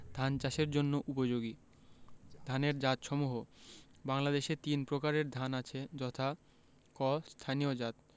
ধান চাষের জন্য উপযোগী ধানের জাতসমূহ বাংলাদেশে তিন প্রকারের ধান আছে যথা ক স্থানীয় জাত